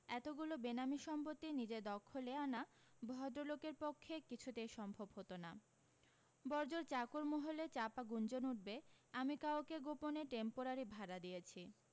এতগুলো বেনামি সম্পত্তি নিজের দখলে আনা ভদ্রলোকের পক্ষে কিছুতেই সম্ভব হতো না বড় জোর চাকর মহলে চাপা গুঞ্জন উঠবে আমি কাউকে গোপনে টেমপোরারি ভাড়া দিয়েছি